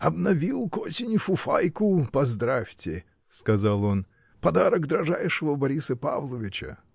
— Обновил к осени фуфайку: поздравьте, — сказал он, — подарок дражайшего Бориса Павловича.